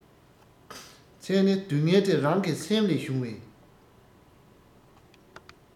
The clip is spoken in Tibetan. མཚན ནི སྡུལ བསྔལ དེ རང གི སེམས ལས བྱུང བས